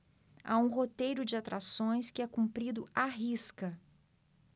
há um roteiro de atrações que é cumprido à risca